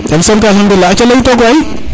jam som